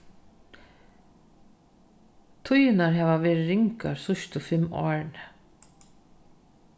tíðirnar hava verið ringar síðstu fimm árini